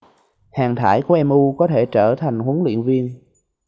hàng thải của mu có thể trở thành huấn luyện viên